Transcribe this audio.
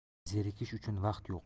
zerikish uchun vaqt yo'q